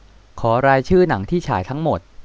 ขอรายชื่อหนังที่ฉายทั้งหมด